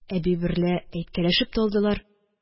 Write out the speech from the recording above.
Әби берлә әйткәләшеп тә алдылар.